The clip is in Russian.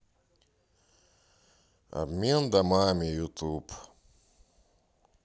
обмен домами ютуб